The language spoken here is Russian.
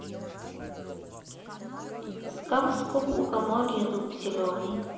сказку у лукоморья дуб зеленый